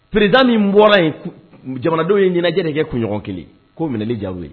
Pereirid min bɔra jamanadenw ye ɲɛnajɛ kɛ kunɲɔgɔn kelen ko minɛli ja